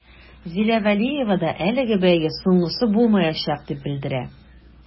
Зилә вәлиева да әлеге бәйге соңгысы булмаячак дип белдерә.